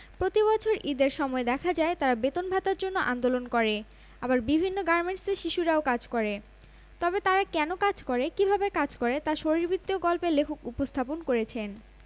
প্রতিবছর ঈদের সময় দেখা যায় তারা বেতন ভাতার জন্য আন্দোলন করে আবার বিভিন্ন গার্মেন্টসে শিশুরা কাজ করে তবে তারা কেন কাজ করে কিভাবে কাজ করে তা শরীরবৃত্তীয় গল্পে লেখক উপস্থাপন করেছেন